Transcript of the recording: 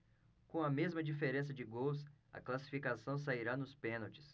com a mesma diferença de gols a classificação sairá nos pênaltis